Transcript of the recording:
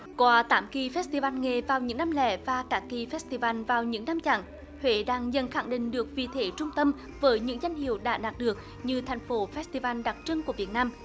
qua tám kỳ phét ty van nghề vào những năm lẻ và các kỳ phét ty van vào những năm chặn huế đang dần khẳng định được vị thế trung tâm với những danh hiệu đã đạt được như thành phố phét ty van đặc trưng của việt nam